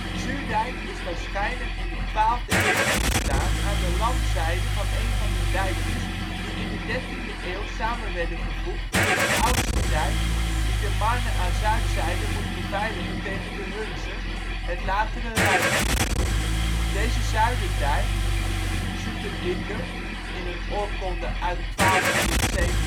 Zuurdijk is waarschijnlijk in de 12e eeuw ontstaan aan de landzijde van een van de dijkjes die in de 13e eeuw samen werden gevoegd in de oudste dijk die De Marne aan zuidzijde moest beveiligen tegen de Hunze, het latere Reitdiep. Deze ' zuiderdijk ' (Suterdicke in een oorkonde uit 1287